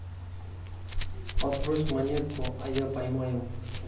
подбрось монетку а я поймаю